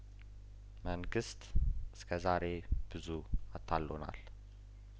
መንግስት እስከዛሬ ብዙ አታሎናል